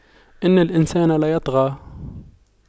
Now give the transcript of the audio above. إِنَّ الإِنسَانَ لَيَطغَى